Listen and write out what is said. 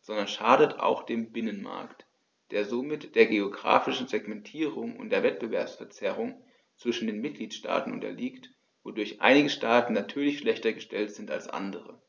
sondern schadet auch dem Binnenmarkt, der somit der geographischen Segmentierung und der Wettbewerbsverzerrung zwischen den Mitgliedstaaten unterliegt, wodurch einige Staaten natürlich schlechter gestellt sind als andere.